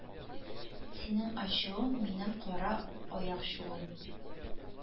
Синең ачуың минем кара аякчуым